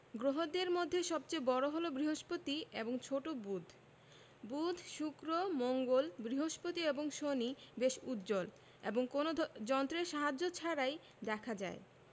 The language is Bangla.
গ্রহদের মধ্যে সবচেয়ে বড় বৃহস্পতি এবং ছোট বুধ বুধ শুক্র মঙ্গল বৃহস্পতি ও শনি বেশ উজ্জ্বল এবং কোনো যন্ত্রের সাহায্য ছাড়াই দেখা যায়